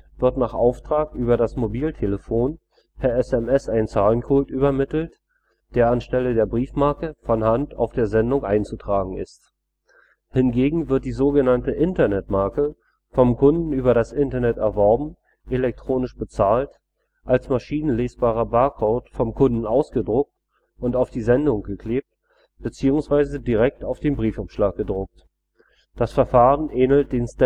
wird nach Auftrag über das Mobiltelefon per SMS ein Zahlencode übermittelt, der anstelle der Briefmarke von Hand auf der Sendung einzutragen ist. Hingegen wird die sogenannte Internetmarke vom Kunden über das Internet erworben, elektronisch bezahlt, als maschinenlesbarer Barcode vom Kunden ausgedruckt und auf die Sendung geklebt bzw. direkt auf den Briefumschlag gedruckt. Das Verfahren ähnelt dem Stampit-Dienst